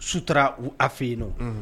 Sutura u a fɛ yenn